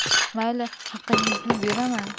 mayli haqingizni beraman